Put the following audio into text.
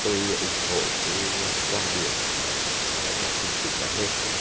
tôi ủng hộ cái quan điểm mà mà lãnh đạo chính phủ đã nêu